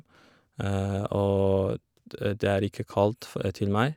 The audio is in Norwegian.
Og de det er ikke kaldt fo til meg.